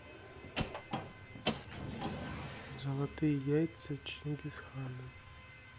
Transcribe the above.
золотые яйца чингисхана